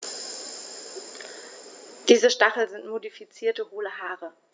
Diese Stacheln sind modifizierte, hohle Haare.